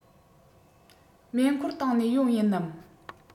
མེ འཁོར བཏང ནས ཡོང ཡིན ནམ